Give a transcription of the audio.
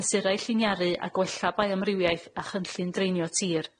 mesurau lliniaru a gwella baiomrywiaeth a chynllun dreinio tir.